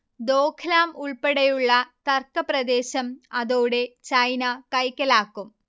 ദോഘ്ലാം ഉൾപ്പെടെയുള്ള തർക്കപ്രദേശം അതോടെ ചൈന കൈക്കലാക്കും